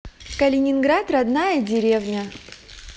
калининград родная деревня